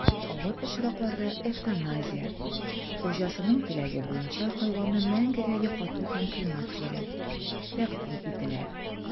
Авыр очракларда эвтаназия (хуҗасының теләге буенча хайванны мәңгегә йоклату һәм кремацияләү) тәкъдим ителә.